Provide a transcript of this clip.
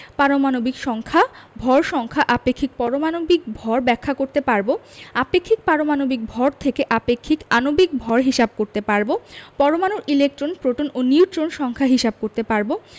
পারমাণবিক সংখ্যা ভর সংখ্যা আপেক্ষিক পরমাণবিক ভর ব্যাখ্যা করতে পারব আপেক্ষিক পারমাণবিক ভর থেকে আপেক্ষিক আণবিক ভর হিসাব করতে পারব পরমাণুর ইলেকট্রন প্রোটন ও নিউট্রন সংখ্যা হিসাব করতে পারব